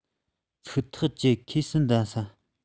ཚིག ཐག བཅད ཁོ སུ འདེམས སམ